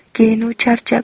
keyin u charchab